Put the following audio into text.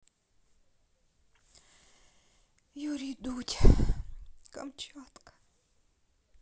юрий дудь камчатка